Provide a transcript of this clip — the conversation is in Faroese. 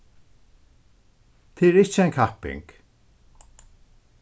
tað er ikki ein kapping